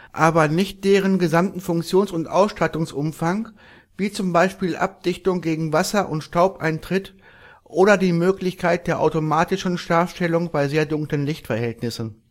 aber nicht deren gesamten Funktions - und Ausstattungsumfang wie z. B. Abdichtung gegen Wasser - und Staubeintritt oder die Möglichkeit der automatischen Scharfstellung bei sehr dunklen Lichtverhältnissen